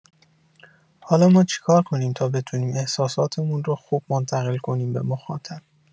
حالا ما چیکار کنیم تا بتونیم احساساتمون رو خوب منتقل کنیم به مخاطب؟